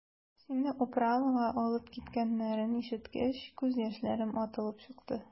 Сине «управа»га алып киткәннәрен ишеткәч, күз яшьләрем атылып чыкты.